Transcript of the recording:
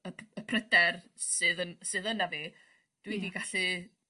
y p- y pryder sydd yn sydd yna fi... Ia. ...dwi 'di gallu